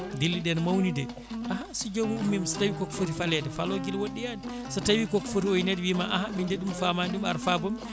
dille ɗe ne mawni de ahan so joomum ummima so tawi koko foofti kaalede faalo guila woɗɗoyani so tawi koko footi oynede wiima ahan min de ɗum mi famani ɗum ar faabomi